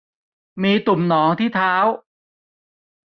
มีตุ่มหนองที่เท้า